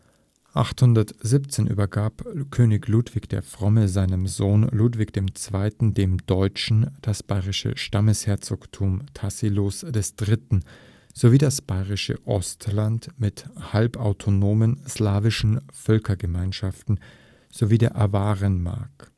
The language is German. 817 übergab König Ludwig der Fromme seinem Sohn Ludwig II. dem Deutschen das bayerische Stammesherzogtum Tassilos III., sowie das bairische Ostland mit halbautonomen slawischen Völkerschaften sowie die Awarenmark